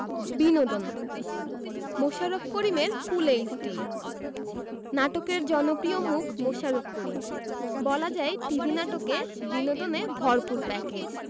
বিনোদন মোশাররফ করিমের full HD নাটকের জনপ্রিয় মুখ মোশাররফ করিম বলা যায় টিভি নাটকে বিনোদনে ভরপুর প্যাকেজ